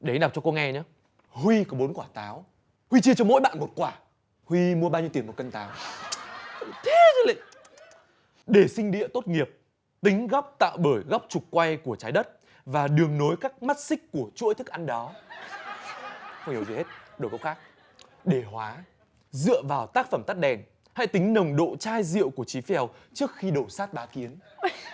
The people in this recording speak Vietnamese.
để anh đọc cho cô nghe nhớ huy có bốn quả táo huy chia cho mỗi bạn một quả huy mua bao nhiêu tiền một cân táo thế chứ lị đề sinh địa tốt nghiệp tính góc tạo bởi góc trục quay của trái đất và đường nối các mắt xích của chuỗi thức ăn đó không hiểu gì hết đổi câu khác đề hóa dựa vào tác phẩm tắt đèn hãy tính nồng độ chai rượu của chí phèo trước khi đồ sát bá kiến